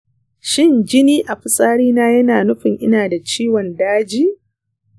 shin jini a fitsarina yana nufin ina da ciwon daji?